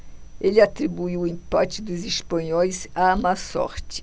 ele atribuiu o empate dos espanhóis à má sorte